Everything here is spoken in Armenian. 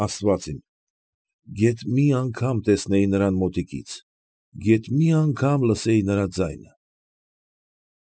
Աստված իմ, գեթ մի անգամ տեսնեի նրան մոտիկից, գեթ մի անգամ լսեի նրա ձայնը։